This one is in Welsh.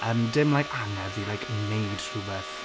Yym dim like angerdd i like wneud rhywbeth